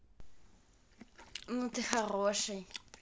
ну ты хороший